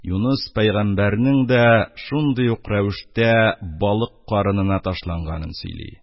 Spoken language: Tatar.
Юныс пәйгамбәрнең дә шундый ук рәвештә балык карынына ташланганын сөйли.